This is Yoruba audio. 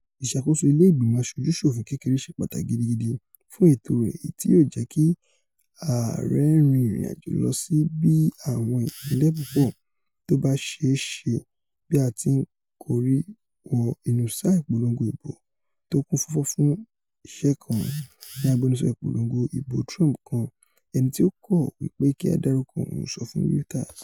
Ìṣàkóso ilé Ìgbìmọ Aṣojú-ṣòfin kékeré ṣe pàtàkí gidigidi fún ètò rẹ̀ èyití yóò jẹ́kí ààrẹ rin ìrìn-àjò lọsí bíi àwọn ìpínlẹ̀ púpọ̀ tóbá ṣeé ṣe bí a tí ńkorí wọ inú sáà ìpolongo ìbò tókún fọ́fọ́ fún iṣẹ́ kan,'' ni agbẹnusọ ìpolongo ìbô Trump kan ẹnití ó kọ̀ wí pé kí a dárúkọ òun sọ fùn Reuters.